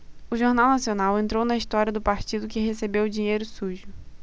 o jornal nacional entrou na história do partido que recebeu dinheiro sujo